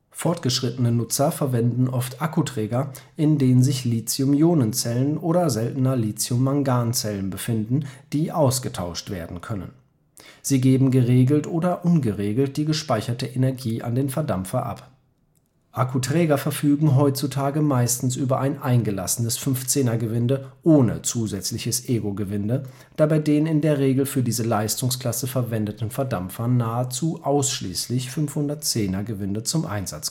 Fortgeschrittene Nutzer verwenden oft Akkuträger, in denen sich Lithium-Ionen-Zellen, oder seltener Lithium-Mangan-Zellen befinden, die ausgetauscht werden können. Sie geben geregelt oder ungeregelt die gespeicherte Energie an den Verdampfer ab. Akkuträger verfügen heutzutage meistens über ein eingelassenes 510-Gewinde ohne zusätzliches eGo-Gewinde, da bei den in der Regel für diese Leistungsklasse verwendeten Verdampfern nahezu ausschließlich 510-Gewinde zum Einsatz